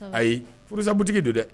Ayi furusa butigi don dɛ